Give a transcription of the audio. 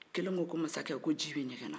kelen ko ko mansakɛ ji bɛ ɲɛgɛn na